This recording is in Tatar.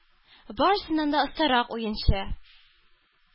Барысыннан да остарак уенчы,